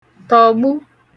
tọ̀gbu